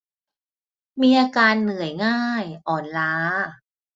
มีอาการเหนื่อยง่ายอ่อนล้า